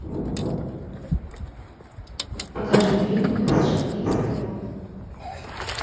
покажи фильмы с шарлиз терон